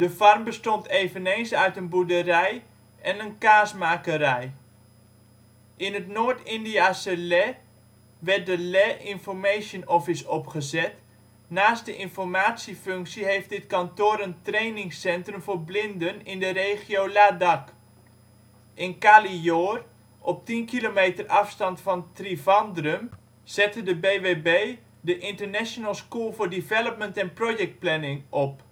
Farm bestond eveneens uit een boerderij en kaasmakerij. In het Noord-Indiase Leh werd de Leh, information office opgezet. Naast de informatiefunctie heeft dit kantoor een trainingscentrum voor blinden in de regio Ladakh. In Kalliyoor, op 10 km afstand van Trivandrum, zette de BWB de International School for Development and Project Planning (ISDeP) op